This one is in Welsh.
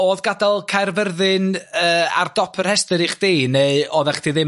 o'dd gadael Caerfyrddin ar dop y rhestr i chdi neu odda chdi'm